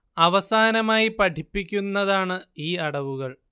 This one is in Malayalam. അവസാനമായി പഠിപ്പിക്കുന്നതാണ് ഈ അടവുകൾ